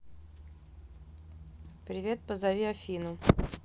привет позови афину